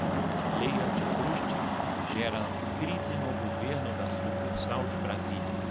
lei antitruste gera crise no governo da sucursal de brasília